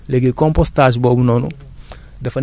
matière organique suuf da nga koy am directement